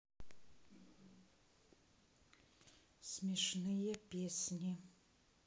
смешные песни